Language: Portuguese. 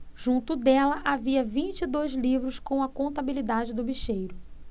junto dela havia vinte e dois livros com a contabilidade do bicheiro